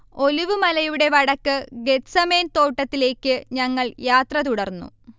olive മലയുടെ വടക്ക് Gethsemane തോട്ടത്തിലേക്ക് ഞങ്ങൾ യാത്ര തുടർന്നു